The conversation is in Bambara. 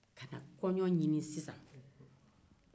ka na kɔjɔ ɲini sisan